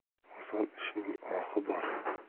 oson ishning ohi bor